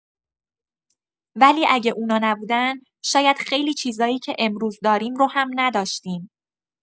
ولی اگه اونا نبودن، شاید خیلی چیزایی که امروز داریم رو هم نداشتیم.